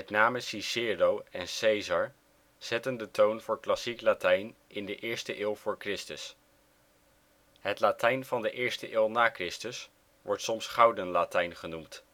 name Cicero en Caesar zetten de toon voor klassiek Latijn in de eerste eeuw voor Christus. Het Latijn van de eerste eeuw na Christus wordt soms Gouden Latijn genoemd